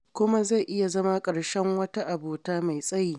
Kuma zai iya zama ƙarshen wata abota mai tsayi.